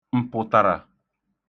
m̀pụ̀tàrà